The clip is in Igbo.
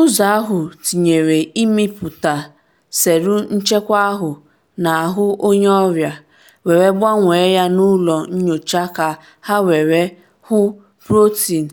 Ụzọ ahụ tinyere ịmịpụta selụ nchekwa ahụ n’ahụ onye ọrịa, were gbanwee ya n’ụlọ nyocha ka ha were ‘hụ’ protin